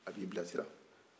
a ka bila sira